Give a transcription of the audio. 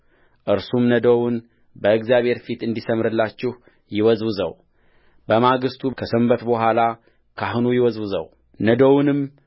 እርሱም ነዶውን በእግዚአብሔር ፊት እንዲሠምርላችሁ ይወዝውዘው በማግስቱ ከሰንበት በኋላ ካህኑ ይወዝውዘውነዶውንም